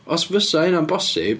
Os fysa hynna'n bosib.